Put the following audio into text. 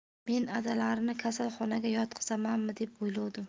men adalarini kasalxonaga yotqizamanmi deb o'ylovdim